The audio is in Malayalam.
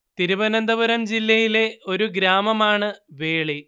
തിരുവനന്തപുരം ജില്ലയിലെ ഒരു ഗ്രാമമാണ് വേളി